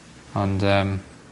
Ond yym